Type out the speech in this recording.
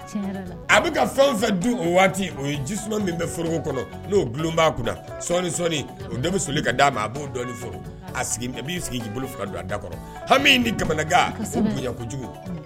A bɛ ka fɛn fɛn du o waati o ye jis min bɛ foroko kɔnɔ nba kunna sɔɔni sɔɔni so d'a ma b'o dɔn'i sigi bolo dami bɛ kamanakan g kojugu